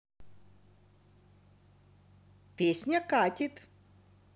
песня катит